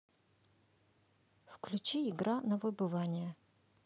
включи игра на выбывание